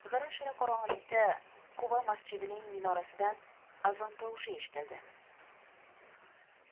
g'ira shira qorong'ilikda quva masjidining minorasidan azon tovushi eshitildi